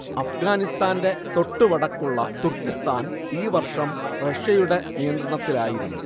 അഫ്ഗാനിസ്താന്റെ തൊട്ടുവടക്കുള്ള തുർക്കിസ്താൻ ഈ വർഷം റഷ്യയുടെ നിയന്ത്രണത്തിലായിരുന്നു